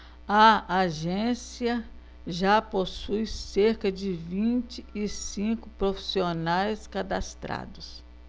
a agência já possui cerca de vinte e cinco profissionais cadastrados